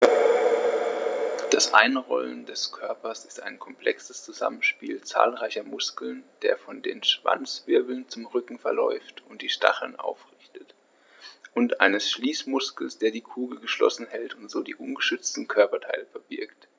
Das Einrollen des Körpers ist ein komplexes Zusammenspiel zahlreicher Muskeln, der von den Schwanzwirbeln zum Rücken verläuft und die Stacheln aufrichtet, und eines Schließmuskels, der die Kugel geschlossen hält und so die ungeschützten Körperteile verbirgt.